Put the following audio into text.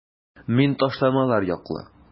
Мин ташламалар яклы.